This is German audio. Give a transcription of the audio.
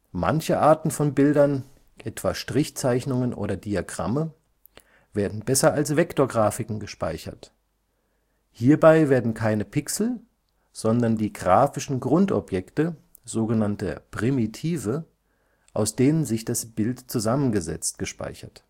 Manche Arten von Bildern, etwa Strichzeichnungen oder Diagramme, werden besser als Vektorgrafiken gespeichert. Hierbei werden keine Pixel, sondern die grafischen Grundobjekte (Primitive), aus denen sich das Bild zusammensetzt, gespeichert